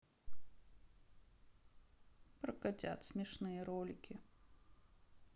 про котят смешные ролики